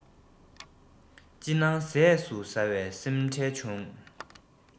ཅི སྣང ཟས སུ ཟ བས སེམས ཁྲལ ཆུང